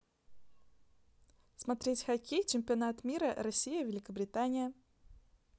смотреть хоккей чемпионат мира россия великобритания